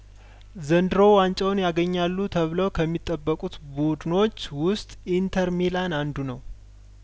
ዘንድሮ ዋንጫውን ያገኛሉ ተብለው ከሚጠበቁት ቡድኖች ውስጥ ኢንተር ሚላን አንዱ ነው